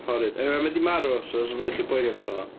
Horrid. Eniwe ma' 'di marw, so sna'm rhaid chi poeni amdana fo.